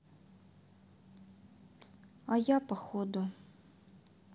а я походу